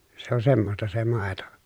se on semmoista se maito